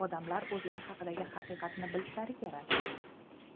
odamlar o'zlari haqidagi haqiqatni bilishlari kerak